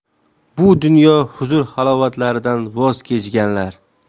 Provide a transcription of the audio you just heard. bu dunyo huzur halovatlaridan voz kechganlar